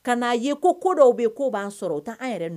Ka'a ye ko dɔw bɛ k ko b'a sɔrɔ u taa an yɛrɛ